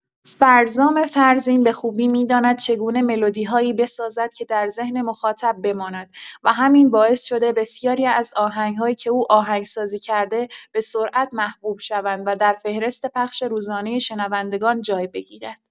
فرزام فرزین به خوبی می‌داند چگونه ملودی‌هایی بسازد که در ذهن مخاطب بماند و همین باعث شده بسیاری از آهنگ‌هایی که او آهنگسازی کرده به‌سرعت محبوب شوند و در فهرست پخش روزانه شنوندگان جای بگیرند.